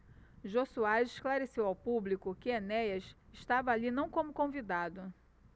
jô soares esclareceu ao público que enéas estava ali não como convidado